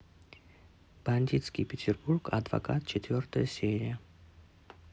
бандитский петербург адвокат четвертая серия